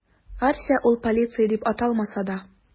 Гәрчә ул полиция дип аталмаса да.